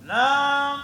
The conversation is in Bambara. A